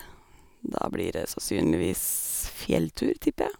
Da blir det sannsynligvis fjelltur, tipper jeg.